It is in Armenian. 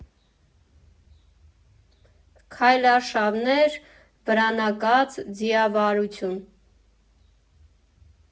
Քայլարշավներ, վրանակաց, ձիավարություն.